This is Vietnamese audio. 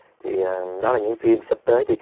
thì đó là những phim sắp tới thì